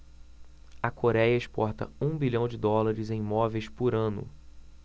a coréia exporta um bilhão de dólares em móveis por ano